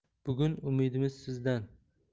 bugun umidimiz sizdan